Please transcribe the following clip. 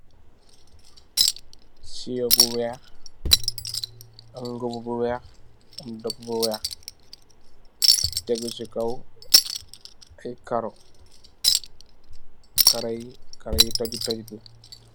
Siyoh bu wekh, am ngeubu bu wekh, am dehpu bu wekh, tehgu cii kaw aiiy kaaroh, kaaroh yii kaaroh yu tohju tohju la.